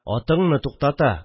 Атыңны туктата